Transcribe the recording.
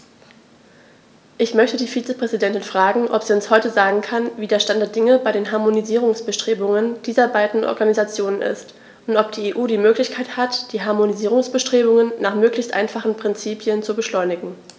Ich möchte die Vizepräsidentin fragen, ob sie uns heute sagen kann, wie der Stand der Dinge bei den Harmonisierungsbestrebungen dieser beiden Organisationen ist, und ob die EU die Möglichkeit hat, die Harmonisierungsbestrebungen nach möglichst einfachen Prinzipien zu beschleunigen.